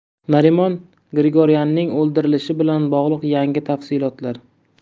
narimon grigoryanning o'ldirilishi bilan bog'liq yangi tafsilotlar